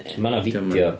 Ma' na fideo.